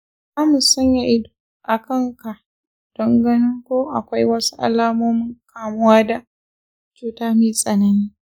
zamu sanya ido a kanka don ganin ko akwai wasu alamun kamuwa da cuta mai tsanani.